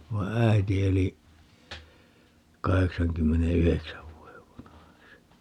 vaan äiti eli kahdeksankymmenenyhdeksän vuoden vanhaksi